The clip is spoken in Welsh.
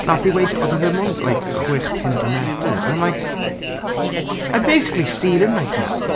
Wnaeth hi ddweud oedd e ddim ond like chwech punt y metr and I'm like "I'm basically stealing right now!"